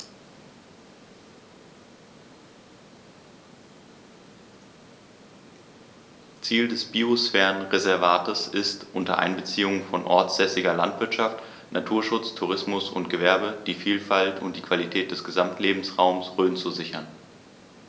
Ziel dieses Biosphärenreservates ist, unter Einbeziehung von ortsansässiger Landwirtschaft, Naturschutz, Tourismus und Gewerbe die Vielfalt und die Qualität des Gesamtlebensraumes Rhön zu sichern.